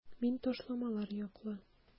Мин ташламалар яклы.